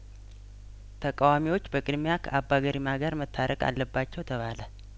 ተቃዋሚዎች በቅድሚያ ከአባ ገሪማ ጋር መታረቅ አለባቸው ተባለ